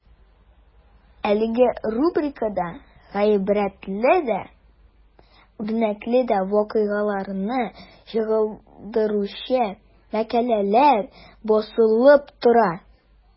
Әлеге рубрикада гыйбрәтле дә, үрнәкле дә вакыйгаларны чагылдыручы мәкаләләр басылып тора.